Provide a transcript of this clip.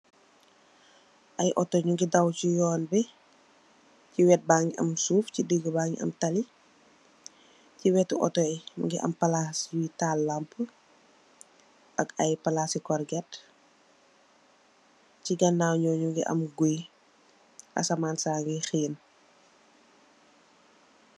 Ay otto nyungi daw ci yoon bi, ci wet bangi am suuf, ci diggi bi bangi am talli. Ci wetu otto bi mungi am palass yuy taal lampa. Ak ay palasi corget, ci ganaw nyuy nak mungi am gouy ,asamas sangi heen